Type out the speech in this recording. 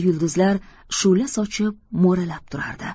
yulduzlar shu'la sochib mo'ralab turardi